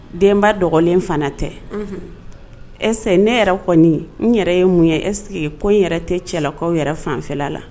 Denba dɔgɔninlen fana tɛ e ne yɛrɛ kɔni n yɛrɛ ye mun ye eseke ko yɛrɛ tɛ cɛlakaw yɛrɛ fanfɛ la